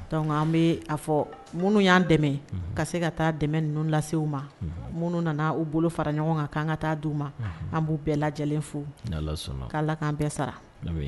An bɛ a fɔ minnu y'an dɛmɛ ka se ka taa dɛmɛ ninnu lasew ma minnu nana u bolo fara ɲɔgɔn kan'an ka taa di' u ma an b'u bɛɛ lajɛlen fo'a la k'an bɛɛ sara